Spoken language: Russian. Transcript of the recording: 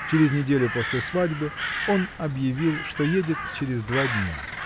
Через неделю после свадьбы он объявил, что едет через два дня.